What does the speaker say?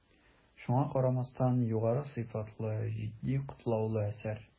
Шуңа карамастан, югары сыйфатлы, житди, катлаулы әсәр.